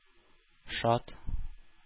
Шат